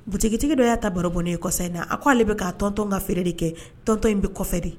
Boutiquier dɔ ya ta baro bɔ n ye kɔsa in na. A ko ale bi ka tonton ka feereere de kɛ . tɔntɔn in bi kɔfɛ de.